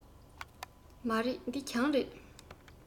མ རེད འདི གྱང རེད